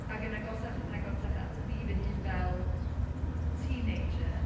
Ac yn agosach ac yn agosach at fi fy hun fel, teenager.